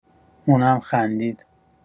اونم خندید.